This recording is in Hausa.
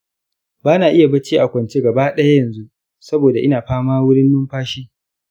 bana iya bacci a kwance gaba ɗaya yanzu saboda ina fama wurin numfashi.